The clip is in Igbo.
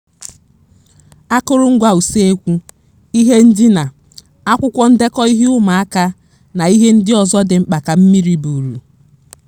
Akụrụngwa ụsekwu, ihe ndina, akwụkwọ ndekọ ihe ụmụaka, na ihe ndị ọzọ dị mkpa ka mmiri buru.